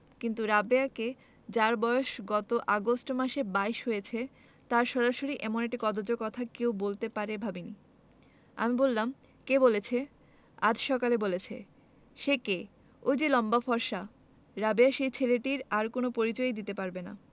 কিন্তু রাবেয়াকে যার বয়স গত আগস্ট মাসে বাইশ হয়েছে তাকে সরাসরি এমন একটি কদৰ্য কথা কেউ বলতে পারে ভাবিনি আমি বললাম কে বলেছে আজ সকালে বলেছে কে সে ঐ যে লম্বা ফর্সা রাবেয়া সেই ছেলেটির আর কোন পরিচয়ই দিতে পারবে না